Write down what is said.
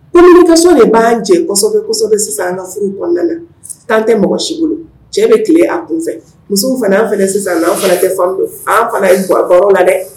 So de'an cɛ ka furu kɔnɔna na tanan tɛ mɔgɔ si bolo cɛ bɛ tile a kun fɛ musow fana fana sisan fana tɛ fan don an fana ga baro la dɛ